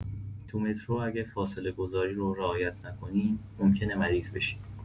تو مترو اگه فاصله‌گذاری رو رعایت نکنیم، ممکنه مریض بشیم.